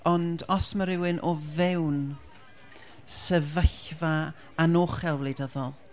Ond, os mae rhywun o fewn sefyllfa anochel wleidyddol...